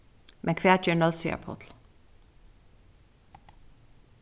men hvat ger nólsoyar páll